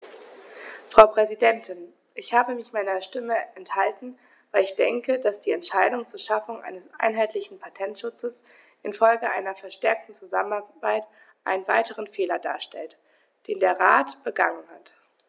Frau Präsidentin, ich habe mich meiner Stimme enthalten, weil ich denke, dass die Entscheidung zur Schaffung eines einheitlichen Patentschutzes in Folge einer verstärkten Zusammenarbeit einen weiteren Fehler darstellt, den der Rat begangen hat.